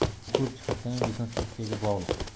bu ko'p jihatdan rekonstruksiyaga bog'liq